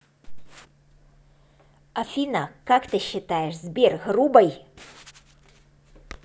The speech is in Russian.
афина как ты считаешь сбер грубой